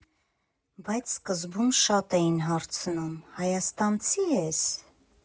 Բայց սկզբում շատ էին հարցնում՝ հայաստանցի՞ ես։